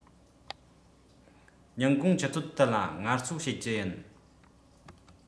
ཉིན གུང ཆུ ཚོད དུ ལ ངལ གསོ བྱེད རྒྱུ ཡིན